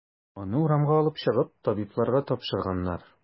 Аны урамга алып чыгып, табибларга тапшырганнар.